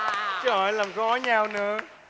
trời ơi làm khó nhau nữa